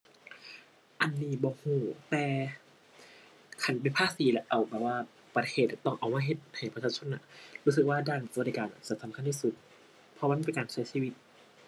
อันนี้บ่รู้ แต่คันเป็นภาษีและเอาแบบว่าประเทศอะ ต้องเอามาเฮ็ดให้ประชาชนน่ะ รู้สึกว่าด้านสวัสดิการจะสำคัญที่สุด เพราะว่ามันเป็นการใช้ชีวิต